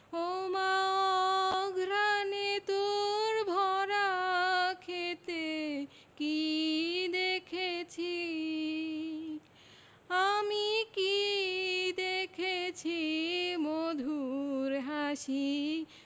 ওমা অঘ্রানে তোর ভরা ক্ষেতে কী দেখসি আমি কী দেখেছি মধুর হাসি